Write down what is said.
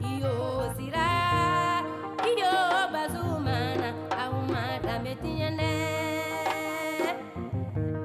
Yo sigira ki batu mana na a ma danbetiɲɛna la